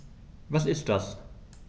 Was ist das?